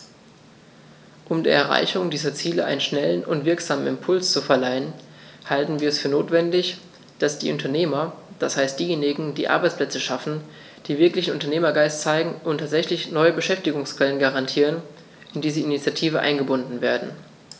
Um der Erreichung dieser Ziele einen schnellen und wirksamen Impuls zu verleihen, halten wir es für notwendig, dass die Unternehmer, das heißt diejenigen, die Arbeitsplätze schaffen, die wirklichen Unternehmergeist zeigen und tatsächlich neue Beschäftigungsquellen garantieren, in diese Initiative eingebunden werden.